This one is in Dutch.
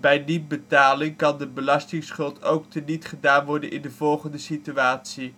Bij niet-betaling kan de belastingschuld ook teniet gaan in de volgende situaties